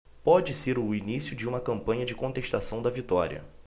pode ser o início de uma campanha de contestação da vitória